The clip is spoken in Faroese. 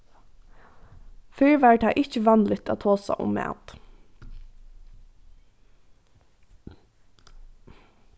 fyrr var tað ikki vanligt at tosa um mat